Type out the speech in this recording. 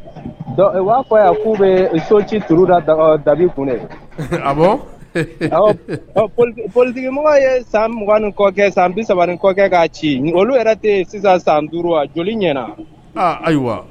B'a fɔ yan k'u bɛ so ci duuru dabi kun polimɔgɔ ye san mugan kɔ san bi saba kɔ kaa ci olu yɛrɛ sisan san duuru joli ɲɛna ayiwa